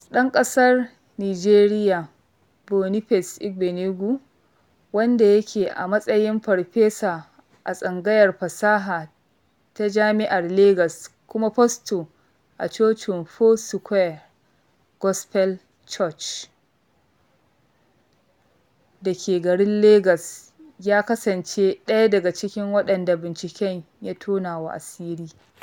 ɗan ƙasar Nijeriya Boniface Igbeneghu, wanda yake a matsayin farfesa a tsangayar fasaha ta Jami'ar Legas kuma fasto a cocin Foursƙuare Gospel Church da ke garin Legas ya kasance ɗaya daga cikin waɗanda binciken ya tonawa asiri.